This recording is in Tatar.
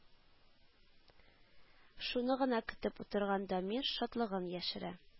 Шуны гына көтеп утырган Дамир, шатлыгын яшерә